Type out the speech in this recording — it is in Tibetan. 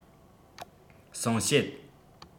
གསུངས བཤད